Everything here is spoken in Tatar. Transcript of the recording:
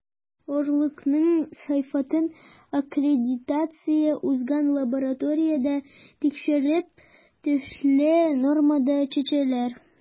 Орлыкның сыйфатын аккредитация узган лабораториядә тикшертеп, тиешле нормада чәчәләр.